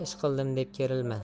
ish qildim deb kerilma